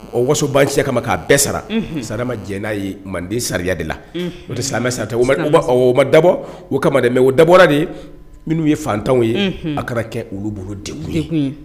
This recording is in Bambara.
O wasobancɛ kama k'a bɛɛ sara sa ma jɛ'a ye manden sariya de la o tɛ sa satɛ ma dabɔ o kamalen o dabɔra de minnu ye fantanw ye a kana kɛ olu bolo de ye